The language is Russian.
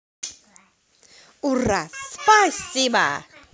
ура спасибо